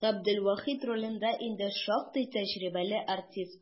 Габделвахит ролендә инде шактый тәҗрибәле артист.